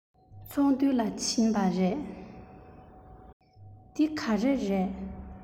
ཚོགས འདུ ལ ཕྱིན པ རེད